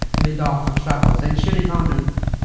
yn mynd off a trafod, dan ni'n trio wneud hon yn...